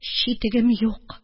Читегем юк